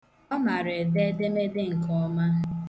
Ọ mara ede edemede nke ọma.